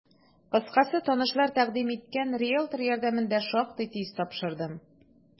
Кыскасы, танышлар тәкъдим иткән риелтор ярдәмендә шактый тиз тапшырдым.